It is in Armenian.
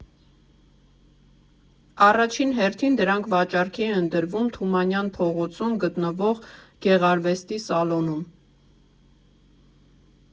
Առաջին հերթին դրանք վաճառքի էին դրվում Թումանյան փողոցում գտնվող Գեղարվեստի սալոնում։